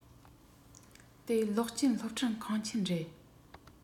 དེ གློག ཅན སློབ ཁྲིད ཁང ཆེན རེད